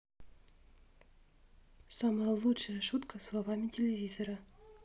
самая лучшая шутка словами телевизора